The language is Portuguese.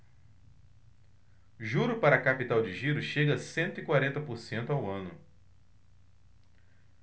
juro para capital de giro chega a cento e quarenta por cento ao ano